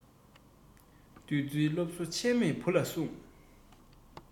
བདུད རྩིའི སློབ གསོ ཆད མེད བུ ལ གསུང